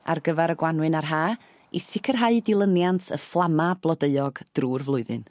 ar gyfar y Gwanwyn ar Ha i sicirha dilyniant y fflama blodeuog drw'r flwyddyn.